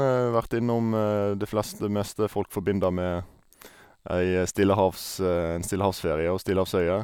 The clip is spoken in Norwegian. Vært innom det fleste meste folk forbinder med ei stillehavs en stillehavsferie og stillehavsøyer.